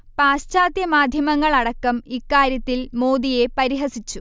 പാശ്ചാത്യ മാദ്ധ്യമങ്ങൾ അടക്കം ഇക്കാര്യത്തിൽ മോദിയെ പരിഹസിച്ചു